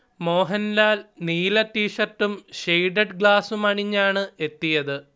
മോഹൻലാൽ നീല ടീഷർട്ടും ഷെയ്ഡഡ് ഗ്ലാസും അണിഞ്ഞാണ് എത്തിയത്